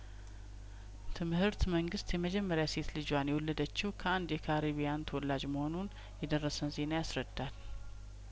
ትምህርት መንግስት የመጀመሪያ ሴት ልጇን የወለደችው ከአንድ የካሪቢያን ተወላጅ መሆኑን የደረሰን ዜና ያስረዳል